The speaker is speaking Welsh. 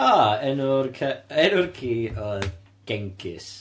A, enw'r ce- enw'r ci oedd Genghis.